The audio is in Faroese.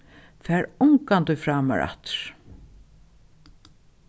far ongantíð frá mær aftur